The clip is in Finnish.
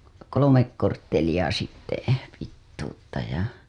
kolme korttelia sitten pituutta ja